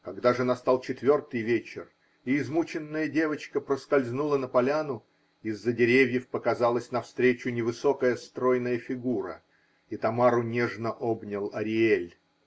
Когда же настал четвертый вечер и измученная девочка проскользнула на поляну, из-за деревьев показалась навстречу невысокая стройная фигура, и Тамару нежно обнял Ариэль.